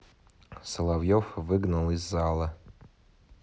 соловьев выгнал из зала